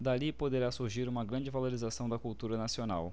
dali poderá surgir uma grande valorização da cultura nacional